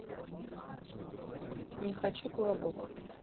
не хочу колобок